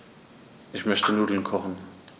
Ich möchte Nudeln kochen.